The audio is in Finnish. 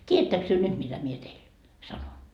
tiedättekös te nyt mitä minä teille sanon